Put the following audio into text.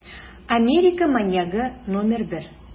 Америка маньягы № 1